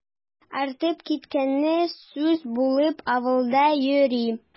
Артып киткәне сүз булып авылда йөри.